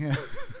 Ie !